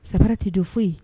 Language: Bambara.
Sabara ti do foyi